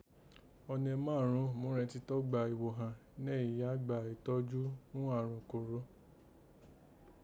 Ọnẹ márùn ún múrẹ̀n ti tọ́ gbà ighohan nẹ̀yìn yí àán gbà ìtọ́jú ghún àrùn kòró